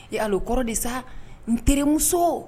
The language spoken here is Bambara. Ee a le kɔrɔ de ça n terimuso.